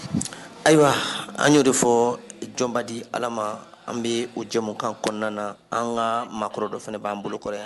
Ayiwa an y'o de fɔ jɔnba di ala ma an bɛ o jɛkan kɔnɔna na an ka maakɔrɔ dɔ fana b'an bolo kɔrɔ yan